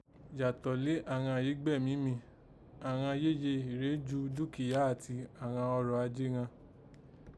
Yàtò lé àghàn yìí gbẹ́mìí mì, àghan yéye rèé jù dúnkìá àti àghan ọrọ̀ ajé ghan